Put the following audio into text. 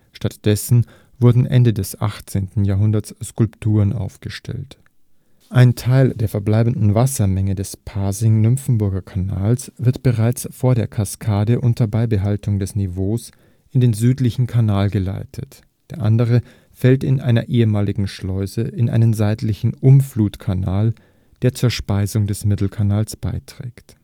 Stattdessen wurden Ende des 18. Jahrhunderts Skulpturen aufgestellt. Ein Teil der verbleibenden Wassermenge des Pasing-Nymphenburger Kanal wird bereits vor der Kaskade unter Beibehaltung des Niveaus in den südlichen Kanal geleitet, der andere fällt in einer ehemaligen Schleuse in einen seitlichen Umflutkanal, der zur Speisung des Mittelkanals beiträgt